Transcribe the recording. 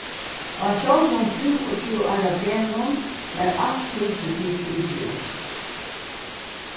á sjálvum fimmogtjúgu ára degnum varð alt húsið tikið í brúk